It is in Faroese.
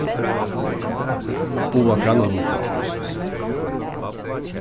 boða grannunum frá